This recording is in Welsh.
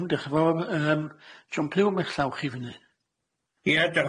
Iawn dioch y' fowr yym John Pugh ma' llawch i fyny.